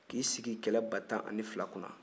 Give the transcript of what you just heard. ki i sigi kɛlɛ ba tan ani fila kun na